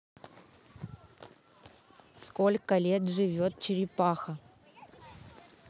сколько лет живет черепаха